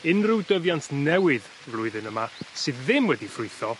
unryw dyfiant newydd flwyddyn yma sydd ddim wedi ffrwytho